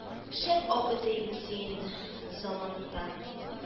– шәп ау эте идең син... заманында